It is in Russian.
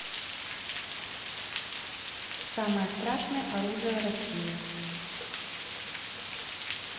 самое страшное оружие россии